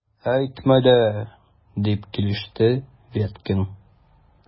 Әйтмә дә! - дип килеште Веткин.